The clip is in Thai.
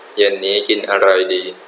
เย็นนี้กินอะไรดี